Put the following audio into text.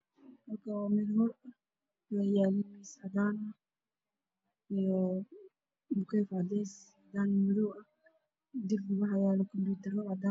Halkaan waa meel hool ah waxaa yaalo miis cadaan ah, mukeyf cadeys iyo madow, darbiga waxaa yaalo kumiitaro cadaan ah.